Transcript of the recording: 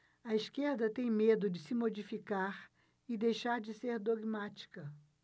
a esquerda tem medo de se modificar e deixar de ser dogmática